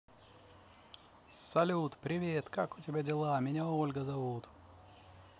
салют привет как у тебя дела меня ольга зовут